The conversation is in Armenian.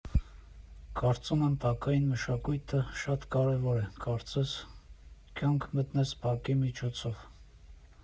Կարծում եմ բակային մշակույթը շատ կարևոր է՝ կարծես կյանք մտնես բակի միջոցով։